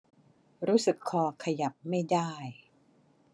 รู้สึกคอขยับไม่ได้